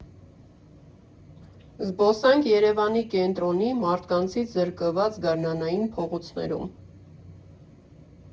Զբոսանք Երևանի կենտրոնի՝ մարդկանցից զրկված գարնանային փողոցներում։